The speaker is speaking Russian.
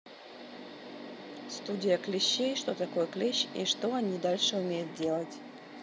студия клещей что такое клещ и что они дальше умеют делать